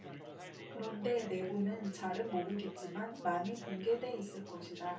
그런데 내부는 잘은 모르겠지만 많이 붕괴돼 있을 것이다